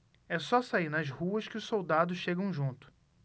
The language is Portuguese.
é só sair nas ruas que os soldados chegam junto